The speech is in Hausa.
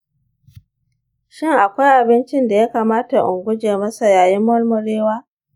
shin akwai abincin da ya kamata in guje masa yayin murmurewa?